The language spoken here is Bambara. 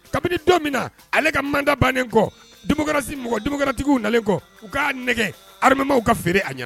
Kabini don min na ale ka manda bannen kɔ dugusi mɔgɔ duguratigiw nalen kɔ u k' nɛgɛlimaw ka feere a ɲɛna